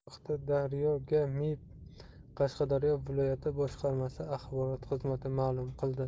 bu haqda daryo ga mib qashqadaryo viloyati boshqarmasi axborot xizmati ma'lum qildi